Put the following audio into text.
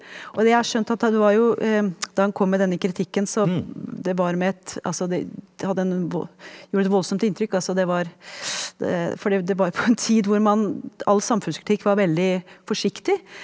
og det jeg har skjønt at han det var jo da han kom med denne kritikken så det var med et altså det det hadde en gjorde et voldsomt inntrykk altså det var det for det det var på en tid hvor man all samfunnskritikk var veldig forsiktig.